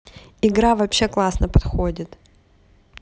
игра вообще классно подходит